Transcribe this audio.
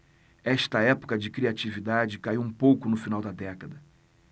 esta época de criatividade caiu um pouco no final da década